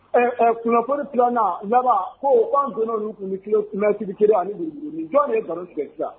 Ɛ ɛ kunafoni filanan laban, ko k'anw donn'olu kun ni kilomètre kelen ani buruburu